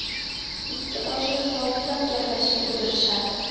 ikki oshna soatlab gaplashib o'tirishadi